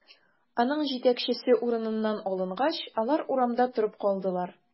Аның җитәкчесе урыныннан алынгач, алар урамда торып калдылар.